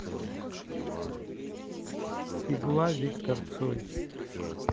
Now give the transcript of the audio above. игла виктор цой